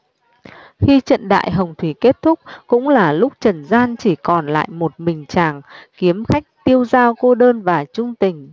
khi trận đại hồng thủy kết thúc cũng là lúc trần gian chỉ còn lại một mình chàng kiếm khách tiêu dao cô đơn và chung tình